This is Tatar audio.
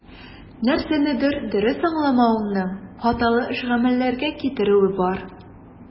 Нәрсәнедер дөрес аңламавыңның хаталы эш-гамәлләргә китерүе бар.